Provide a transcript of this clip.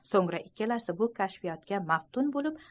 so'ngra ikkalasi bu kashfiyotga maftun bo'lib